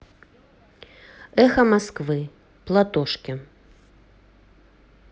эхо москвы платошкин